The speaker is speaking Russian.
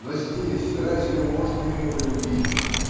Но здесь разве можно не полюбить?